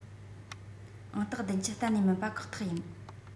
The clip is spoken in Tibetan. ཨང རྟགས ༧༠ གཏན ནས མིན པ ཁག ཐག ཡིན